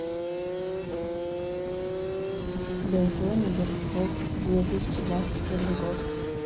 биатлон оберхоф две тысячи двадцать первый год